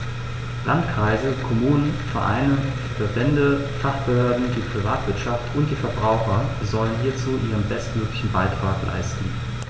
Landkreise, Kommunen, Vereine, Verbände, Fachbehörden, die Privatwirtschaft und die Verbraucher sollen hierzu ihren bestmöglichen Beitrag leisten.